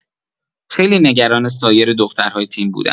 خیلی نگران سایر دخترهای تیم بودم.